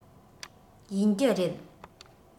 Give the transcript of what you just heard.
ཡིན རྒྱུ རེད